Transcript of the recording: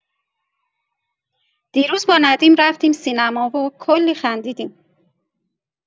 دیروز با ندیم رفتیم سینما و کلی خندیدیم.